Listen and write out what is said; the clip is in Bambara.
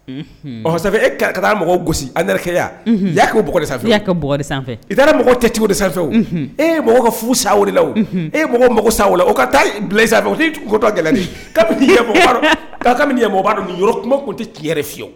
Bɔn e taa mɔgɔ gosi an yɛrɛkeya y' ko bugkari sanfɛ i y' ka b sanfɛ i taara mɔgɔ tɛ cogodi sanfɛ e mɔgɔ ka fu sala e mako mako sa o ka taa bila sanfɛ ojugu gɛlɛn ka' kamɔgɔ kuma tun tɛ tiɲɛye